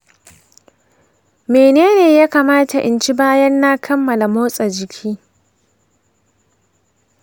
mene ne ya kamata in ci bayan na kammala motsa jiki?